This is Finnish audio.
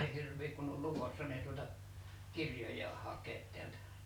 ei hirviä kun oli lukossa niin ei tuota kirjojaan hakea täältä